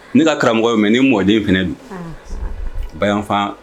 Ne ka karamɔgɔ do mais ne mɔden fana don bayan fan.